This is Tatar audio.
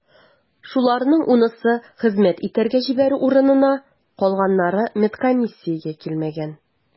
Шуларның унысы хезмәт итәргә җибәрү урынына, калганнары медкомиссиягә килмәгән.